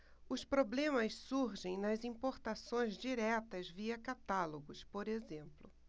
os problemas surgem nas importações diretas via catálogos por exemplo